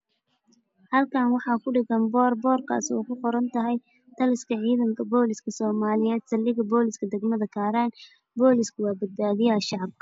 Halkan waxa ku dhagan bor borkaso kuQurontahy taliska cidanka Boliska somaliyed saldhiga boliska dagmada Karan Boliska wa badbadiyaha shacabka